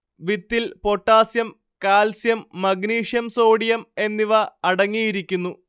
വിത്തിൽ potassium calcium magnesium sodium എന്നിവ അടങ്ങിയിരിക്കുന്നു